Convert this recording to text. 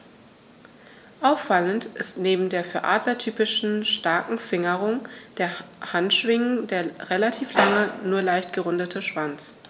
Auffallend ist neben der für Adler typischen starken Fingerung der Handschwingen der relativ lange, nur leicht gerundete Schwanz.